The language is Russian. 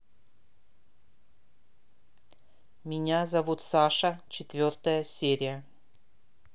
меня зовут саша четвертая серия